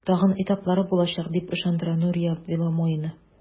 Тагын этаплары булачак, дип ышандыра Нурия Беломоина.